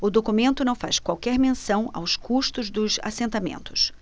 o documento não faz qualquer menção aos custos dos assentamentos